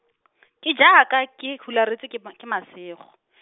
ke jaaka ke hularetswe ke ma-, ke masego .